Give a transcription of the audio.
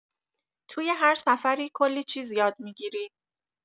توی هر سفری کلی چیز یاد می‌گیری.